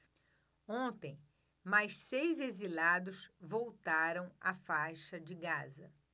ontem mais seis exilados voltaram à faixa de gaza